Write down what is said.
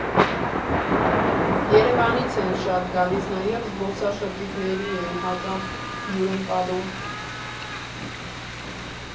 Երևանից են շատ գալիս, նաև զբոսաշրջիկների են հաճախ հյուրընկալում։